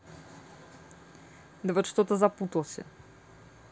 да вот что то запутался